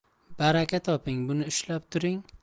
baraka toping buni ushlab turing